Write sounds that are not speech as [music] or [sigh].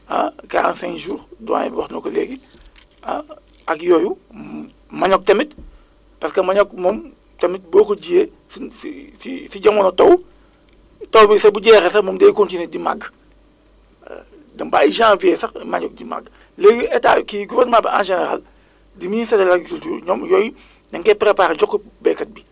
ah 45 jours doyen bi wax na ko léegi ah ak yooyu manioc tamit parce que manioc moom tamit boo ko jiyee suñ si ci ci jamono taw taw bi sax bu jeexee sax moom day continué di màgg [hesitation] dem ba ay janvier sax manioc ji màgg léegi état kii gouvernement bi en général di ministère de l' agriculture ñoom yooyu dañ koy préparé jox ko béykat bi